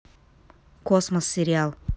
космос сериал